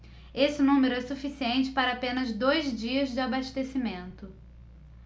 esse número é suficiente para apenas dois dias de abastecimento